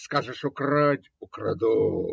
Скажешь: украдь - украду.